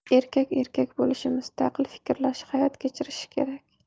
erkak erkak bo'lishi mustaqil fikrlashi hayot kechirishi kerak